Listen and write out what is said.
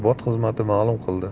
matbuot xizmati ma'lum qildi